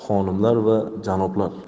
xonimlar va janoblar